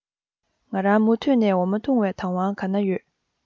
ང རང མུ མཐུད ནས འོ མ འཐུང བའི དང བ ག ན ཡོད